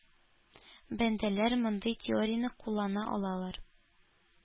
Бәндәләр мондый теорияне куллана алалар.